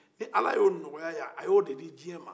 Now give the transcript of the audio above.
ni ala ye o de nɔgɔya a ye a ye o de di dunuya ma